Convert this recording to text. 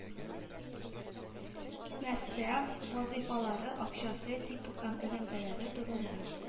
Нәрсә – вазыйфалары, акчасы, титул һәм элемтәләре турында